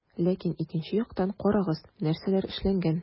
Ләкин икенче яктан - карагыз, нәрсәләр эшләнгән.